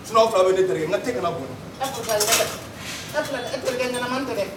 N' fila bɛ ne terikɛ tɛ kana bolo terikɛ ɲɛnama tɛ